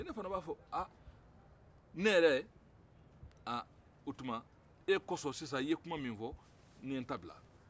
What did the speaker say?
ale fɛnɛ b'a fɔ ah ne yɛrɛ ah o tuma e kɔsɔn sisan i ye kuma min fɔ n ye n ta bila